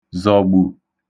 zọ̀gbù